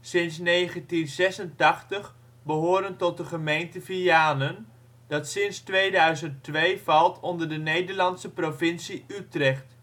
sinds 1986 behorend tot de gemeente Vianen, dat sinds 2002 valt onder de Nederlandse provincie Utrecht